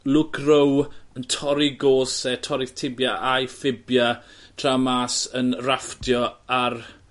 Luke Rowe yn torri 'i go's e torri'r tibia a'i ffibia tra mas yn rafftio ar